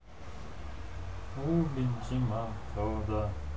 губин зима холода